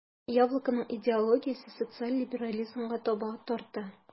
"яблоко"ның идеологиясе социаль либерализмга таба тарта.